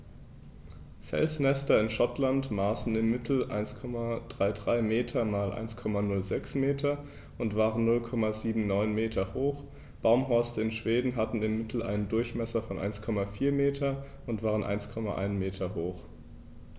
Felsnester in Schottland maßen im Mittel 1,33 m x 1,06 m und waren 0,79 m hoch, Baumhorste in Schweden hatten im Mittel einen Durchmesser von 1,4 m und waren 1,1 m hoch.